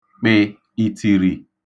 kpị̀ ìtìrì